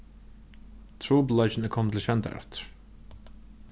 trupulleikin er komin til sjóndar aftur